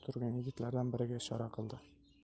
turgan yigitlaridan biriga ishora qildi